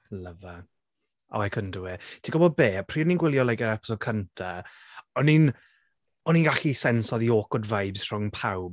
Love her. Oh I couldn't do it. Ti'n gwybod be'? Pryd o'n ni'n gwylio'r like yr episode cynta o'n i'n o'n i'n gallu sensio the awkward vibes rhwng pawb.